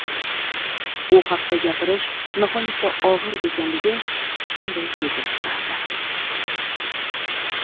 u haqda gapirish nihoyatda og'ir ekanligi shunday sezilib turardi